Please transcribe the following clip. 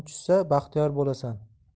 tushsa baxtiyor bo'lasan